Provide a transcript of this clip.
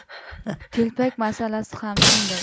telpak masalasi ham shundoq